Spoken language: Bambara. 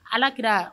Alakira